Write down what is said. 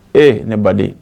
Ee ne baden